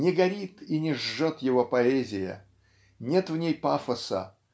Не горит и не жжет его поэзия нет в ней пафоса